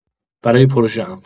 برای پروژه‌ام